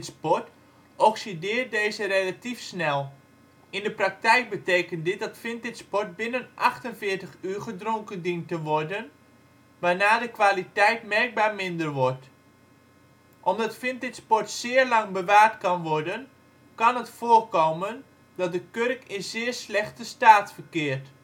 port oxideert deze relatief snel. In de praktijk betekent dit dat vintage port binnen 48 uur gedronken dient te worden, waarna de kwaliteit merkbaar minder wordt. Omdat vintage port zeer lang bewaard kan worden, kan het voorkomen dat de kurk in zeer slechte staat verkeert